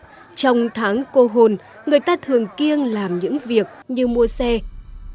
trong tháng cô hồn người ta thường kiêng làm những việc như mua xe